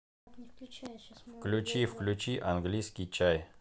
включи включи английский чай